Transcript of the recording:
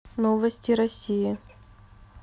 новости россии